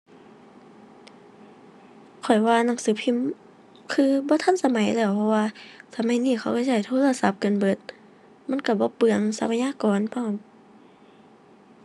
ข้อยว่าหนังสือพิมพ์ คือ บ่ทันสมัยแล้ว เพราะว่าสมัยนี้เขาก็ใช้โทรศัพท์กันเบิด มันก็บ่เปลืองทรัพยากรพร้อม